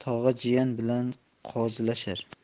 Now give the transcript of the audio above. tog'a jiyan bilan qozilashar